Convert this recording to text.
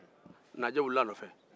naajɛ wulila a nɔfɛ